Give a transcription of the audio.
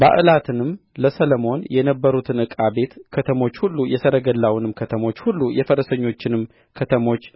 ባዕላትንም ለሰሎሞንም የነበሩትን የዕቃ ቤት ከተሞች ሁሉ የሰረገላውንም ከተሞች ሁሉ የፈረሰኞችንም ከተሞች